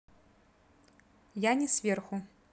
а не сверху